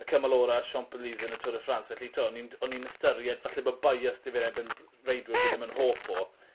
y cymal ola Champs Elysees yn y Tour de France felly t'wo' o'n i'n o'n i'n ystyried falle bo' bias 'da fi yn erbyn br- reidwyr fi ddim yn hoff o.